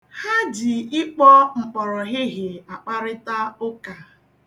Ha ji ịkpọ mkpọrọhịhị akparịta ụka.